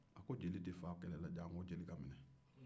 a ko jeli t'i minɛ janko a ka faa